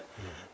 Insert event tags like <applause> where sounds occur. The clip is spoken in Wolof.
<hesitation>